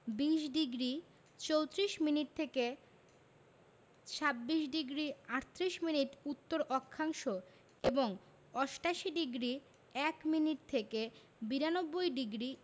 ২০ডিগ্রি ৩৪ minute থেকে ২৬ degree ৩৮ minute উত্তর অক্ষাংশ এবং ৮৮ ডিগ্রি ০১ মিনিট থেকে ৯২ ডিগ্রি